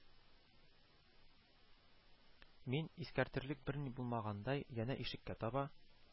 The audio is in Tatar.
Мин, искитәрлек берни булмагандай, янә ишеккә таба